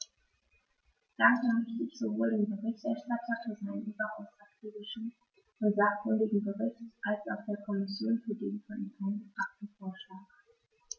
Danken möchte ich sowohl dem Berichterstatter für seinen überaus akribischen und sachkundigen Bericht als auch der Kommission für den von ihr eingebrachten Vorschlag.